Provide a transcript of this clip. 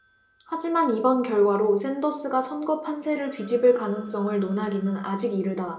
하지만 이번 결과로 샌더스가 선거 판세를 뒤집을 가능성을 논하기는 아직 이르다